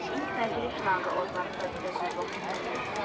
Ինքն էլ ջրի շլանգը օդ բարձրացրեց՝ մեզ ողջունելու։